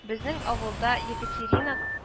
Безнең авылда Екатерина